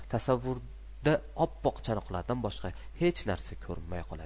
tasavvurda oppoq chanoqlardan boshqa hech narsa ko'rinmay qoladi